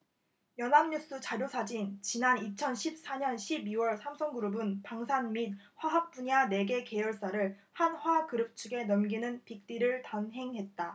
연합뉴스 자료사진 지난 이천 십 사 년 십 이 월 삼성그룹은 방산 및 화학 분야 네 개 계열사를 한화그룹 측에 넘기는 빅딜을 단행했다